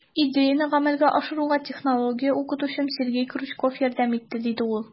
Идеяне гамәлгә ашыруга технология укытучым Сергей Крючков ярдәм итте, - ди ул.